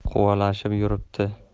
quvalashib yuribdi